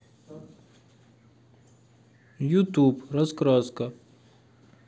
ютуб раскраска